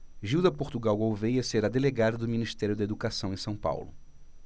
gilda portugal gouvêa será delegada do ministério da educação em são paulo